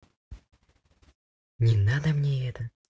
не надо мне это